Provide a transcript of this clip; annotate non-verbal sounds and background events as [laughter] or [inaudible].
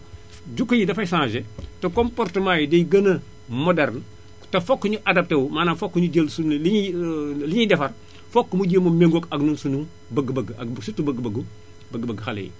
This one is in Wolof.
jikko yi dafay changé [noise] te comportement yi day gën a moderne te fokk ñu adapté wu maanaam fokk ñuy jël suñu li ñuy [hesitation] li ñuy defar fokk mu jëm mu méngoo ak ñun suñu bëgg-bëgg ak surtout bëgg-bëggu bëgg-bëggu xale yi